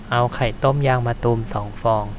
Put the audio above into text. เอาไข่ต้มยางมะตูมสองฟอง